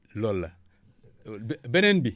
loolu la beneen bi